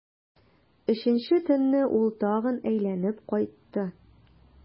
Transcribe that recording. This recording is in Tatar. Өченче төнне ул тагын әйләнеп кайтты.